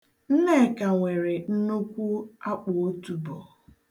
Nneka nwere nnukwu akpụotubo.